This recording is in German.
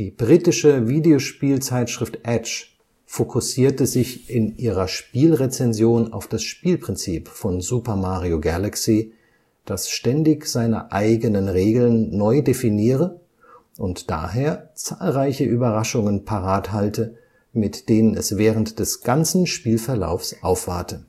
britische Videospielzeitschrift Edge fokussierte sich in ihrer Spielrezension auf das Spielprinzip von Super Mario Galaxy, das ständig seine eigenen Regeln neu definiere und daher zahlreiche Überraschungen parat halte, mit denen es während des ganzen Spielverlaufs aufwarte